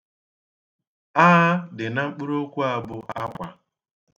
'A' dị na mkpụrụokwu a bụ 'Akwa'.